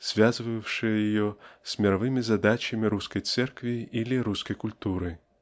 связывавшие ее с мировыми задачами русской церкви или русской культуры.